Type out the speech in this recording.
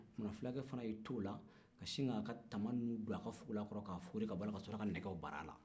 o tuma fulakɛ fana ye e to o la ka sin k'a ka tama nu don a fugulan kɔrɔ k'a foori ka bɔ a la ka sɔrɔ k'a ka nɛgɛw bar'a la